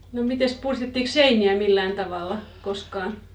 no mitenkäs puhdistettiinkos seiniä millään tavalla koskaan